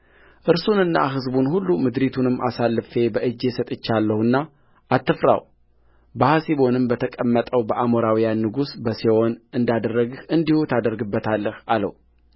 እርሱንና ሕዝቡን ሁሉ ምድሪቱንም አሳልፌ በእጅህ ሰጥቼአለሁና አትፍራው በሐሴቦንም በተቀመጠው በአሞራውያን ንጉሥ በሴዎን እንዳደረግህ እንዲሁ ታደርግበታለህ አለው